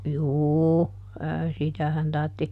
juu - sitähän tarvitsi